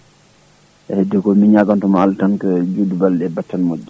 ko heddi ko min ñagontoma Allah tan ko judde balɗe e battane moƴƴe